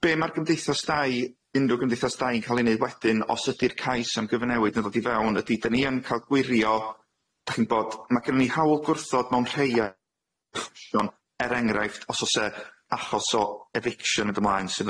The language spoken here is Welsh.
Be' ma'r gymdeithas dau unrhyw gymdeithas dau'n ca'l ei neud wedyn os ydi'r cais am gyfynewid yn ddod i fewn ydi dyn ni yn ca'l gwirio dach chi'n bod ma' gynnon ni hawl gwrthod mewn rhei e- ffersiwn er enghraifft os o's e achos o eviction ag yn y mlaen sydd